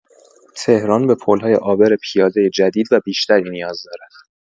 تهران به پل‌های عابر پیاده جدید و بیشتری نیاز دارد.